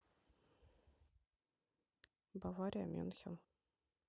бавария мюнхен